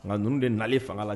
Nka ninnu de na fanga la